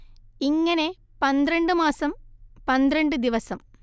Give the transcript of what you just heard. ഇങ്ങനെ പന്ത്രണ്ട് മാസം പന്ത്രണ്ട് ദിവസം